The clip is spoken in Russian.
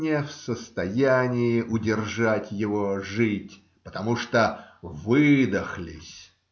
не в состоянии удержать его жить, потому что "выдохлись".